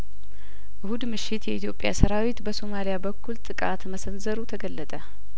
እሁድ ምሽት የኢትዮጵያ ሰራዊት በሶማልያ በኩል ጥቃት መሰንዘሩ ተገለጠ